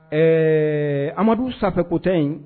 Ɛɛ Amadu safinɛ kota in